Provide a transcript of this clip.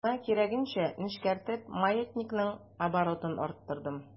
Миңа кирәгенчә нечкәртеп, маятникның оборотын арттырдым.